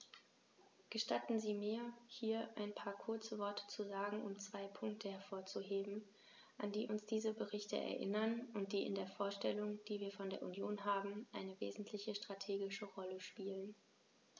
Gestatten Sie mir, hier ein paar kurze Worte zu sagen, um zwei Punkte hervorzuheben, an die uns diese Berichte erinnern und die in der Vorstellung, die wir von der Union haben, eine wesentliche strategische Rolle spielen.